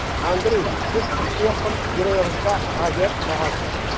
Андрей, сез тышкы яктан героегызга гаҗәп охшагансыз.